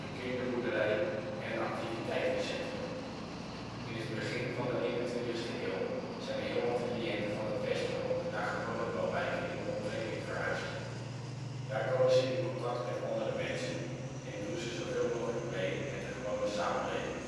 kinderboerderij en een activiteitencentrum. In het begin van de 21e eeuw zijn er heel wat cliënten van het Westerhonk naar gewone woonwijken in de omgeving verhuisd. Daar komen ze in contact met andere mensen en doen ze zoveel mogelijk mee met de gewone samenleving